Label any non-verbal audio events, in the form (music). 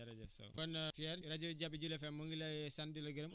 jërëjëf kontaan nañ si (hesitation) sa contribution am na solo lool